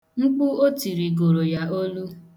Mkpu o tiri gụrụ ya olu.